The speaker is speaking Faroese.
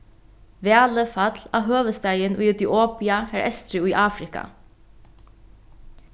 valið fall á høvuðsstaðin í etiopia har eysturi í afrika